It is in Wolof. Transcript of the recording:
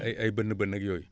ay ay bënn-bënn ak yooyu